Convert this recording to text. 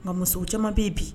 Mɔn musow caman bɛ ye bi